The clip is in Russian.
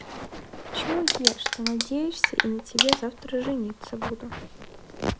почему ешь ты надеешься и на тебе завтра жениться буду